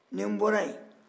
ni n bɔra yen